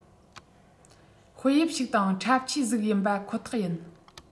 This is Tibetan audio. དཔེ དབྱིབས ཞིག དང འཁྲབ ཆས སིག ཡིན པ ཁོ ཐག ཡིན